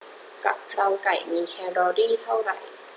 กะเพราไก่มีแคลอรี่เท่าไหร่